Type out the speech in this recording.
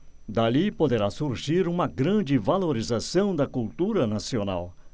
dali poderá surgir uma grande valorização da cultura nacional